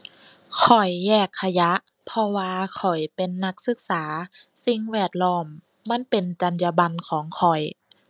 ข้อยแยกขยะ เพราะว่าข้อยเป็นนักศึกษา สิ่งแวดล้อมมันเป็นจรรยาบรรณของข้อย